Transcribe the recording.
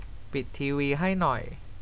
ปิดทีวีให้หน่อย